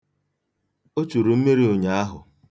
O churu mmiri ụnyaahụ.